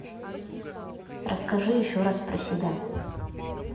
расскажи еще раз про себя